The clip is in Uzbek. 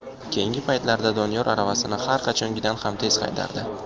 keyingi paytlarda doniyor aravasini har qachongidan ham tez haydardi